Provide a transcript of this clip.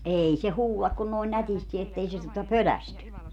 ei se huuda kuin noin nätisti että ei se tuota pelästy